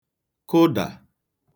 kụdà